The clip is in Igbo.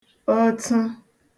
oṫu